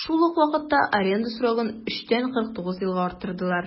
Шул ук вакытта аренда срогын 3 тән 49 елга арттырдылар.